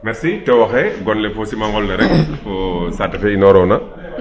Merci tew oxe gon le fo simanqol le fo saate fe inooraa.